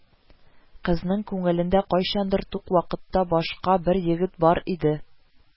Кызның күңелендә, кайчандыр тук вакытта башка бер егет бар иде